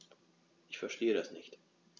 Ich verstehe das nicht.